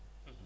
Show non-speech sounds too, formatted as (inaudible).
(hesitation) (hesitation)